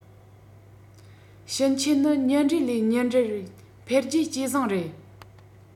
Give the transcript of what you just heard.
ཕྱིན ཆད ནི ཉིན རེ ལས ཉིན རེར འཕེལ རྒྱས ཇེ བཟང རེད